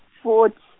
forty.